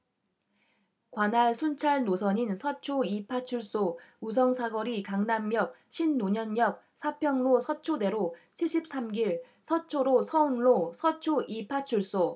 관할 순찰 노선인 서초 이 파출소 우성사거리 강남역 신논현역 사평로 서초대로 칠십 삼 길 서초로 서운로 서초 이 파출소